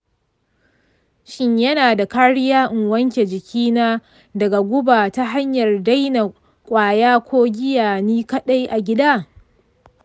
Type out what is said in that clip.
shin yana da kariya in wanke jikina daga guba ta hanyar daina ƙwaya ko giya ni kaɗai a gida?